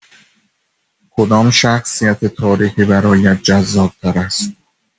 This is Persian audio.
کدام شخصیت تاریخی برایت جذاب‌تر است؟